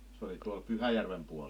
se oli tuolla Pyhäjärven puolella